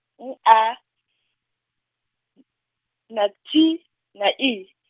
ngu A na T na E.